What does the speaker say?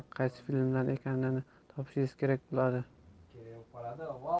qaysi filmdan ekanini topishingiz kerak bo'ladi